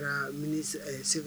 Mini segu